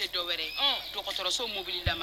Dɔwɛrɛ dɔgɔtɔrɔso mobili da